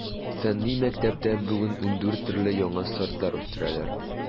Фәнни мәктәптә бүген ундүрт төрле яңа сортлар үстерәләр.